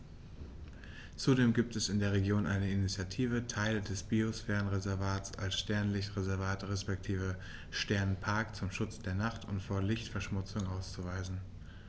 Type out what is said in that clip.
Zudem gibt es in der Region eine Initiative, Teile des Biosphärenreservats als Sternenlicht-Reservat respektive Sternenpark zum Schutz der Nacht und vor Lichtverschmutzung auszuweisen.